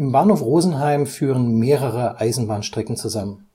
Bahnhof Rosenheim führen mehrere Eisenbahnstrecken zusammen